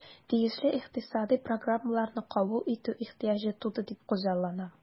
Тиешле икътисадый программаларны кабул итү ихтыяҗы туды дип күзаллана.